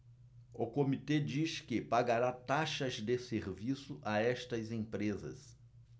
o comitê diz que pagará taxas de serviço a estas empresas